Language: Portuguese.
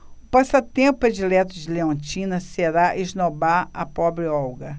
o passatempo predileto de leontina será esnobar a pobre olga